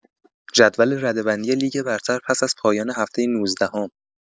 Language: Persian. جدول رده‌بندی لیگ برتر پس‌از پایان هفته نوزدهم